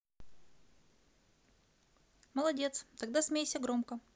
молодец тогда смейся громко